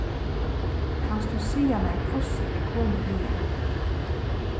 kanst tú siga mær hvussu eg komi hagar